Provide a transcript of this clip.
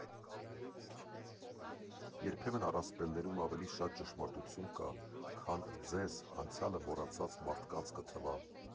Երբեմն առասպելներում ավելի շատ ճշմարտություն կա, քան ձեզ՝ անցյալը մոռացած մարդկանց կթվա։